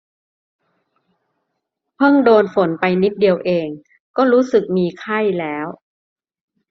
เพิ่งโดนฝนไปนิดเดียวเองก็รู้สึกมีไข้แล้ว